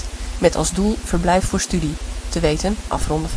verblijf voor studie (te weten: afronden